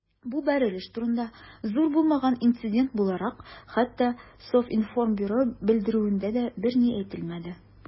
Бу бәрелеш турында, зур булмаган инцидент буларак, хәтта Совинформбюро белдерүендә дә берни әйтелмәде.